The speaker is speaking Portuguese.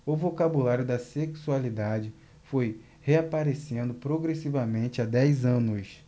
o vocabulário da sexualidade foi reaparecendo progressivamente há dez anos